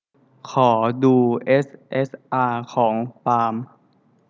ขอดูเอสเอสอาของปาล์ม